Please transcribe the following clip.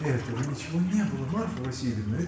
— Этого ничего не было, Марфа Васильевна!